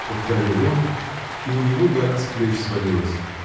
— повторил он, и у него гора с плеч свалилась.